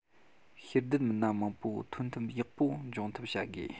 ཤེས ལྡན མི སྣ མང པོ ཐོན ཐབས ཡག པོ འབྱུང ཐབས བྱ དགོས